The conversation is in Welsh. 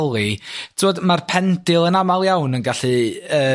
i holi t'wod ma'r pendil yn amal iawn yn gallu yy